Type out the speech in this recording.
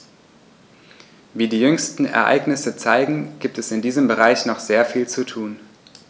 Wie die jüngsten Ereignisse zeigen, gibt es in diesem Bereich noch sehr viel zu tun.